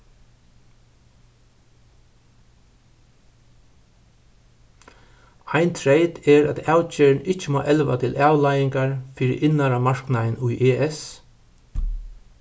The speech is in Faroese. ein treyt er at avgerðin ikki má elva til avleiðingar fyri innara marknaðin í es